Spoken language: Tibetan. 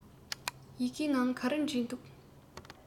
ཡི གེའི ནང ག རེ བྲིས འདུག